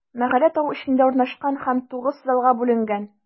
Мәгарә тау эчендә урнашкан һәм тугыз залга бүленгән.